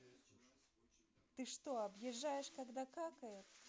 ты что объезжаешь когда какает